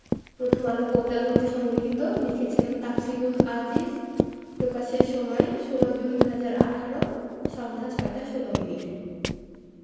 Prothom Alo portal হতে সংগৃহীত লিখেছেন তাফসিলুল আজিজ প্রকাশের সময় ১৬জুন ২০১৮ সন্ধ্যা ৬টা ১৬ মিনিট